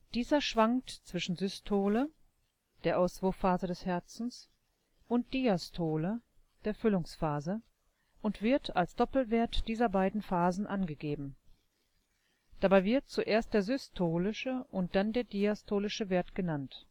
Dieser schwankt zwischen Systole (der Auswurfphase des Herzens) und Diastole (der Füllungsphase), und wird als Doppelwert dieser beiden Phasen angegeben. Dabei wird zuerst der systolische und dann der diastolische Wert genannt